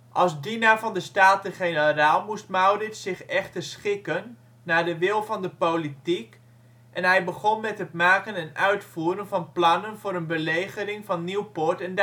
Als dienaar van de Staten-Generaal moest Maurits zich echter schikken naar de wil van de politiek en hij begon met het maken en uitvoeren van plannen voor een belegering van Nieuwpoort en